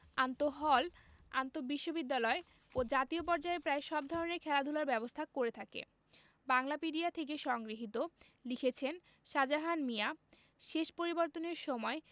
আন্তঃহল আন্তঃবিশ্ববিদ্যালয় ও জাতীয় পর্যায়ে প্রায় সব ধরনের খেলাধুলার ব্যবস্থা করে থাকে বাংলাপিডিয়া থেকে সংগৃহীত লিখেছেনঃ সাজাহান মিয়া শেষ পরিবর্তনের সময়